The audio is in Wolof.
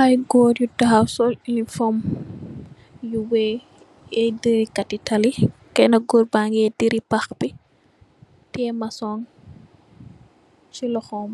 Aye goor yu tahaw sol ilifom bu weeh, aye diri kati talli, kena goor bangee diri pax bi, tiyee mason, ci loxom,